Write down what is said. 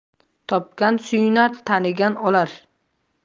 topgan suyunar tanigan olar